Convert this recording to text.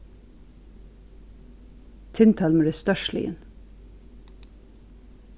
tindhólmur er stórsligin